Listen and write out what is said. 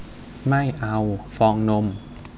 ไม่เอาฟองนม